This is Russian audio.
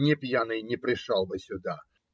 Не пьяный не пришел бы сюда.